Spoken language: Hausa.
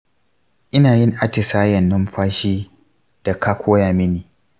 ina yin atisayen numfashi da ka koya mini.